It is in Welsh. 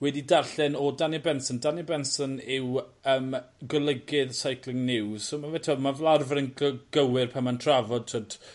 wedi darllen o Daniel Benson. Daniel Benson yw yym golygydd Cycling News so ma' fe t'wod ma' fel arfer yn g- gywir pan ma'n trafod t'wod